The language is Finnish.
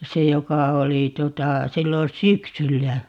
se joka oli tuota silloin syksyllä